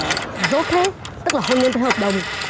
dốt thế tức là hôn nhân theo hợp đồng